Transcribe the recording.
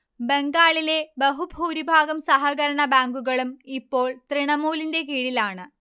ബംഗാളിലെ ബഹുഭൂരിഭാഗം സഹകരണ ബാങ്കുകളും ഇപ്പോൾ തൃണമൂലിന്റെ കീഴിലാണ്